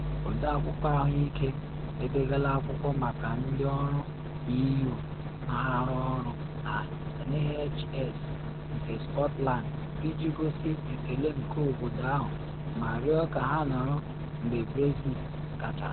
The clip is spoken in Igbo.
Ọde Akwụkwọ Ahụike edegala akwụkwọ maka ndị ọrụ EU na arụ ọrụ na NHS nke Scotland iji gosi ekele nke obodo ahụ ma rịọ ka ha nọrọ mgbe Brexit gachara.